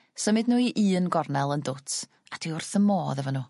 symud n'w i un gornel yn dwt a dwi wrth 'ym modd efo n'w.